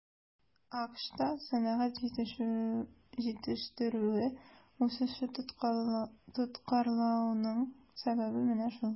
АКШта сәнәгать җитештерүе үсеше тоткарлануның сәбәбе менә шул.